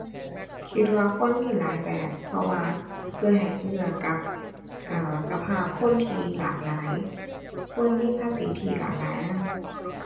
คิดว่าควรมีหลายแบบ เพราะว่าเพื่อให้เอื้อกับ เอ่อ สภาพคนที่หลากหลาย ควรมีภาษีที่หลากหลายนำ